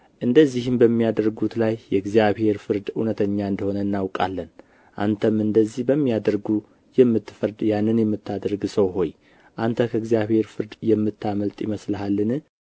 እንደዚህም በሚያደርጉት ላይ የእግዚአብሔር ፍርድ እውነተኛ እንደ ሆነ እናውቃለን አንተም እንደዚህ በሚያደርጉ የምትፈርድ ያንም የምታደርግ ሰው ሆይ አንተ ከእግዚአብሔር ፍርድ የምታመልጥ ይመስልሃልን